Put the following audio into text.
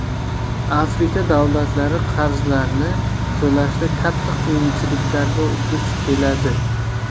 afrika davlatlari qarzlarni to'lashda katta qiyinchiliklarga duch keladi